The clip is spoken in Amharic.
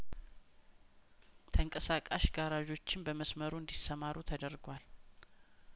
ተንቀሳቃሽ ጋራዦችም በመስመሩ እንዲ ሰማሩ ተደርጓል